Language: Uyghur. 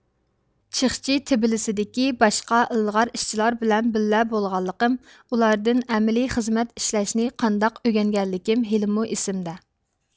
چىخجى تبىلىسدىكى باشقا ئىلغار ئىشچىلار بىلەن بىللە بولغانلىقىم ئۇلاردىن ئەمەلىي خىزمەت ئىشلەشنى قانداق ئۆگەنگەنلىكىم ھېلىمۇ ئېسىمدە